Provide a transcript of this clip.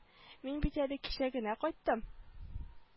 Мин бит әле кичә генә кайттым